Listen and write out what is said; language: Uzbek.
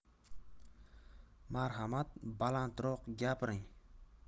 marhamat balandroq gapiring